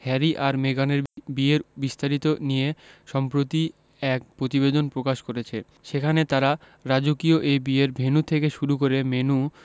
Harry আর মেগানের বিয়ের বিস্তারিত নিয়ে সম্প্রতি এক প্রতিবেদন প্রকাশ করেছে সেখানে তারা রাজকীয় এই বিয়ের ভেন্যু থেকে শুরু করে মেন্যু